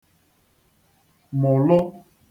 mụlụ